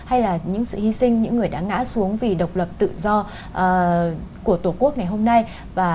hay là những sự hy sinh những người đã ngã xuống vì độc lập tự do à của tổ quốc ngày hôm nay và